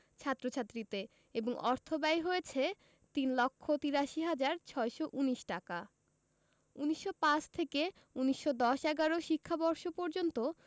ছাত্রছাত্রীতে এবং অর্থব্যয় হয়েছে ৩ লক্ষ ৮৩ হাজার ৬১৯ টাকা ১৯০৫ থেকে ১৯১০ ১১ শিক্ষাবর্ষ পর্যন্ত